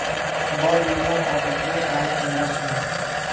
bol yegan og'izga baliq yarashmas